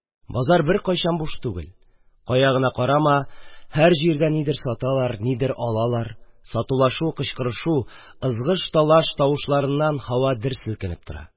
Базар беркайчан буш түгел, кая гына карама – һәр җирдә нидер саталар, нидер алалар; сатулашу, кычкырышу, ызгыш-талаш тавышларыннан һава дер селкенеп тора.